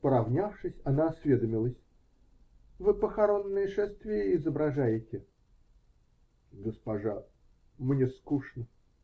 Поравнявшись, она осведомилась: -- Вы похоронное шествие изображаете? -- Госпожа, мне скучно.